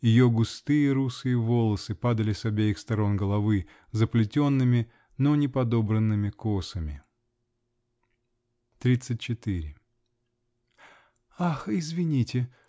Ее густые русые волосы падали с обеих сторон головы -- заплетенными, но не подобранными косами. Тридцать четыре. -- Ах, извините!